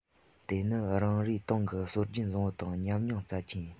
དེ ནི རང རེའི ཏང གི སྲོལ རྒྱུན བཟང པོ དང ཉམས མྱོང རྩ ཆེན ཡིན